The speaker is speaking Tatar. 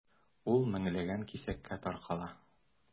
Ул меңләгән кисәккә таркала.